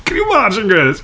Can you imagine girls?